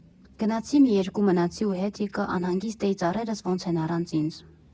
Գնացի, մի երկու մնացի ու հետ եկա, անհանգիստ էի, ծառերս ոնց են առանց ինձ»։